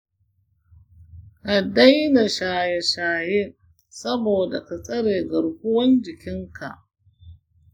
ka daina shaye shaye saboda ka tsare garkuwan jikin ka.